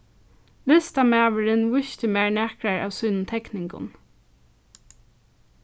listamaðurin vísti mær nakrar av sínum tekningum